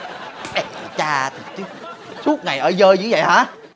mẹ cha thằng chít suốt ngày ở dơ chứ dậy hả